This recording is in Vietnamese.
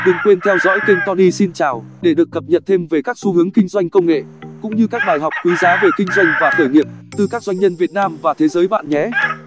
đừng quên theo dõi kênh tony xin chào để được cập nhật thêm về các xu hướng kinh doanh công nghệ cũng như các bài học quý giá về kinh doanh và khởi nghiệp từ các doanh nhân việt nam và thế giới bạn nhé